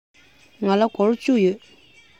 ང ལ སྒོར བཅུ ཡོད